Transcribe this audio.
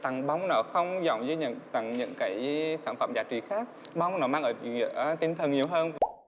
tặng bông nó không giống như những tặng những cái sản phẩm giá trị khác bông nó mang cái ý nghĩa tinh thần nhiều hơn